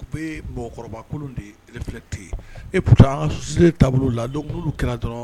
U bɛ mɔgɔkɔrɔbakolon de e p an taabolo la kɛra dɔrɔn